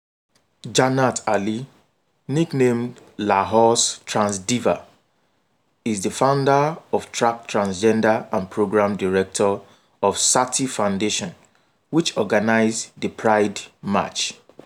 Jannat Ali, nicknamed Lahore's Trans Diva, is the founder of Track Transgender and Program Director of Sathi Foundation which organized the Pride March.